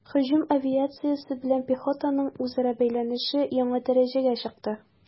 Һөҗүм авиациясе белән пехотаның үзара бәйләнеше яңа дәрәҗәгә чыкты.